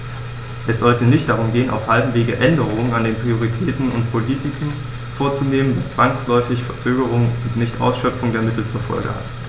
Es sollte nicht darum gehen, auf halbem Wege Änderungen an den Prioritäten und Politiken vorzunehmen, was zwangsläufig Verzögerungen und Nichtausschöpfung der Mittel zur Folge hat.